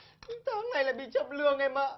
tháng này lại bị chậm lương em ạ